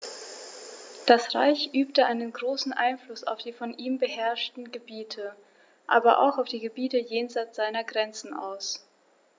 Das Reich übte einen großen Einfluss auf die von ihm beherrschten Gebiete, aber auch auf die Gebiete jenseits seiner Grenzen aus.